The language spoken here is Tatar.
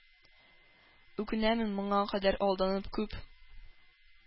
Үкенәмен моңа кадәр алданып, күп